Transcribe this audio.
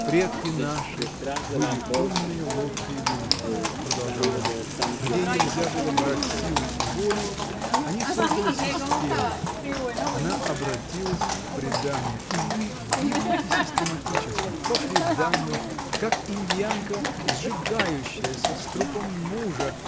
— Предки наши были умные, ловкие люди, — продолжал он, — где нельзя было брать силой и волей, они создали систему, она обратилась в предание — и вы гибнете систематически, по преданию, как индиянка, сожигающаяся с трупом мужа.